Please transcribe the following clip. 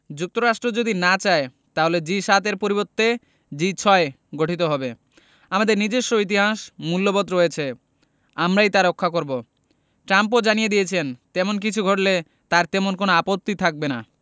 যুক্তরাষ্ট্র যদি না চায় তাহলে জি ৭ এর পরিবর্তে জি ৬ গঠিত হবে আমাদের নিজস্ব ইতিহাস মূল্যবোধ রয়েছে আমরাই তা রক্ষা করব ট্রাম্পও জানিয়ে দিয়েছেন তেমন কিছু ঘটলে তাঁর তেমন কোনো আপত্তি থাকবে না